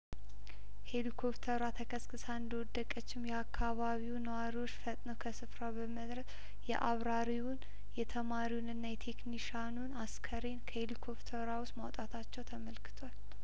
ሄሊኮፕተሯ ተከስክሳ እንደወደቀችም የአካባቢው ነዋሪዎች ፈጥነው ከስፍራው በመድረስ የአብራሪውን የተማሪውንና የቴክኒሻኑን አስክሬን ከሄሊኮፕተሯ ውስጥ ማውጣታቸው ተመልክቷል